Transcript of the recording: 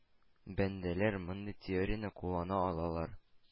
Бәндәләр мондый теорияне куллана алалар.